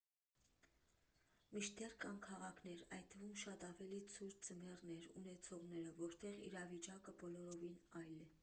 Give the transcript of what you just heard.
Մինչդեռ կան քաղաքներ, այդ թվում շատ ավելի ցուրտ ձմեռներ ունեցողները, որտեղ իրավիճակը բոլորովին այլ է։